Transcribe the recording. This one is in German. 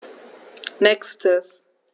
Nächstes.